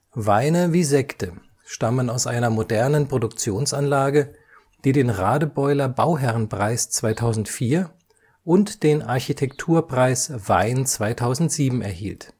Weine wie Sekte stammen aus einer modernen Produktionsanlage, die den Radebeuler Bauherrenpreis 2004 und den Architekturpreis Wein 2007 erhielt